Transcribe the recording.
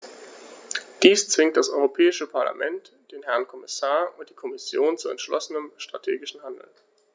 Dies zwingt das Europäische Parlament, den Herrn Kommissar und die Kommission zu entschlossenem strategischen Handeln.